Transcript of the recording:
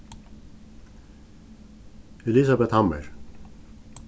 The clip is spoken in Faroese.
elisabeth hammer